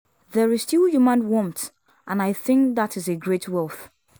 There is still human warmth, and I think that is a great wealth.